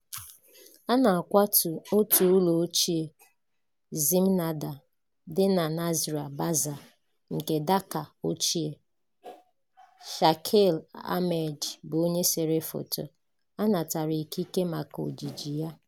A na-akwatu otu ụlọ ochie Zaminadar dị na Nazira Bazar nke Dhaka Ochie. Shakil Ahmed bụ onye sere foto. A natara ikike maka ojiji ya.